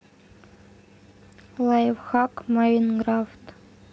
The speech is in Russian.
лайфхак майнкрафт